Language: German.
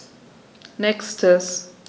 Nächstes.